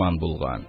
Ан булган